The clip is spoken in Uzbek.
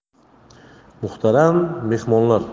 muhtaram mehmonlar